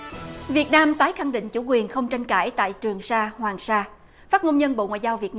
việt nam tái khẳng định chủ quyền không tranh cãi tại trường sa hoàng sa phát ngôn nhân bộ ngoại giao việt